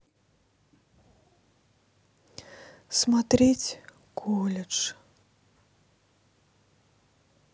смотреть колледж